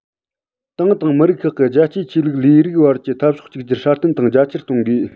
ཏང དང མི རིགས ཁག གི རྒྱལ གཅེས ཆོས ལུགས ལས རིགས བར གྱི འཐབ ཕྱོགས གཅིག གྱུར སྲ བརྟན དང རྒྱ ཆེར གཏོང དགོས